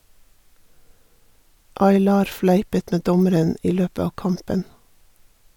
Aylar fleipet med dommeren i løpet av kampen.